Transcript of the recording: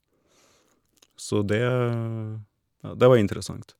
Så det ja det var interessant.